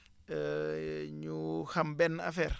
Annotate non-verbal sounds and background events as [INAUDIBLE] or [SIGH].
[HESITATION] ñu xam benn affaire